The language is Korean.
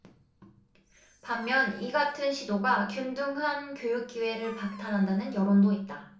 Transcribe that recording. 반면 이같은 시도가 균등한 교육기회를 박탈한다는 여론도 있다